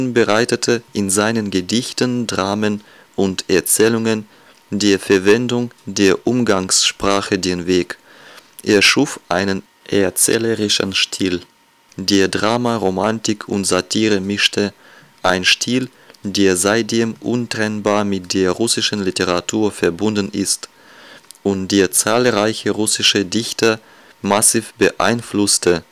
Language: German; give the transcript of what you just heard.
bereitete in seinen Gedichten, Dramen und Erzählungen der Verwendung der Umgangssprache den Weg; er schuf einen erzählerischen Stil, der Drama, Romantik und Satire mischte - ein Stil, der seitdem untrennbar mit der russischen Literatur verbunden ist und der zahlreiche russische Dichter massiv beeinflusste